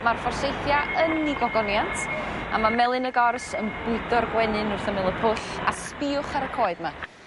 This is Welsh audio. ma'r forsythia yn 'u gogoniant a ma' melyn y gors yn bwydo'r gwenyn wrth ymyl y pwll a sbïwch ar y coed 'ma.